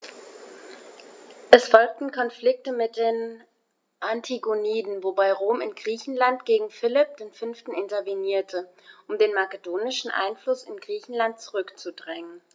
Es folgten Konflikte mit den Antigoniden, wobei Rom in Griechenland gegen Philipp V. intervenierte, um den makedonischen Einfluss in Griechenland zurückzudrängen.